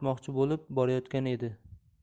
o'tmoqchi bo'lib borayotgan edi